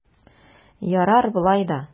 Ярар болай да!